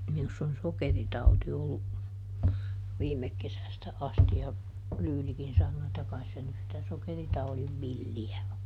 minussa on sokeritauti ollut viime kesästä asti ja Lyylikin sanoo että kai se nyt sitä sokeritaudin villiä on